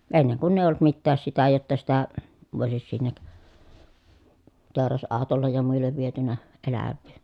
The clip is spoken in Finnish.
ennen kun ei ollut mitään sitä jotta sitä voisi sinne teurasautolle ja muille viety eläviä